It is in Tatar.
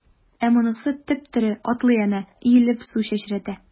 Ә монысы— теп-тере, атлый әнә, иелеп су чәчрәтә.